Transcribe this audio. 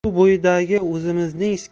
suv bo'yidagi o'zimizning